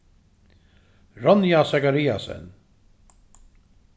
ronja zachariasen